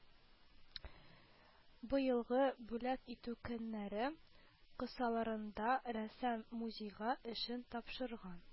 Быелгы “Бүләк итү көннәре” кысаларында рәссам музейга эшен тапшырган